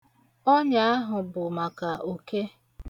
Ọnya ahụ bụ maka oke.